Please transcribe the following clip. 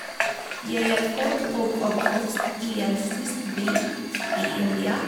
Jeg er født og oppvokst i en by i India.